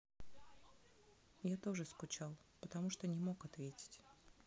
я тоже скучал потому что не мог ответить